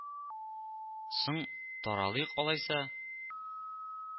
— соң, таралыйк алайса